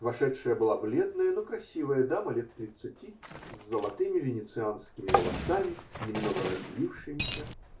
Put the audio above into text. Вошедшая была бледная, но красивая дама лет тридцати, с золотыми венецианскими волосами, немного развившимися.